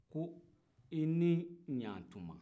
ko i ni ɲaatuma